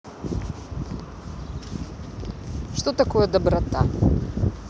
что такое доброта